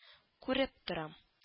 Күреп торам